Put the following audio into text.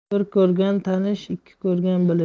bir ko'rgan tanish ikki ko'rgan bilish